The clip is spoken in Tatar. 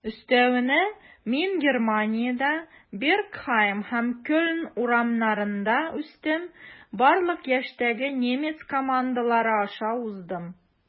Өстәвенә, мин Германиядә, Бергхайм һәм Кельн урамнарында үстем, барлык яшьтәге немец командалары аша уздым.